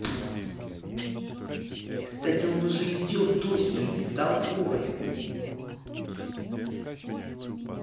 кстати он уже идет дождь ты бестолковая